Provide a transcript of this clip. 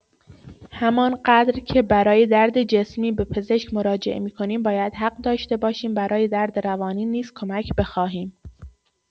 همان‌قدر که برای درد جسمی به پزشک مراجعه می‌کنیم باید حق داشته باشیم برای درد روانی نیز کمک بخواهیم.